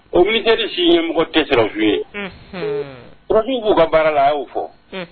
O mini terisi ye mɔgɔ tɛsirafi ye pfin b'u ka baara la y'o fɔ